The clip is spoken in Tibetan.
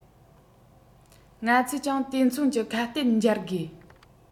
ང ཚོས ཀྱང དེ མཚུངས ཀྱི ཁ གཏད འཇལ དགོས